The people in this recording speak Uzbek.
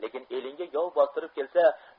lekin elingga yov bostirib kelsa